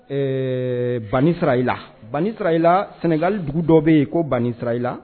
Ɛɛ ban sara ila ban sara ila sɛnɛgali dugu dɔ bɛ yen ko bansira ila